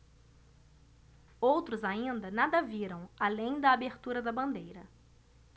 outros ainda nada viram além da abertura da bandeira